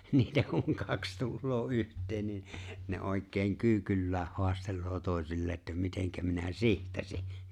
niitä kun kaksi tulee yhteen niin ne oikein kyykyllään haastelee toisilleen että miten minä sihtasin